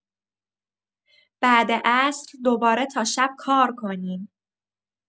بعد عصر دوباره تا شب‌کار کنیم.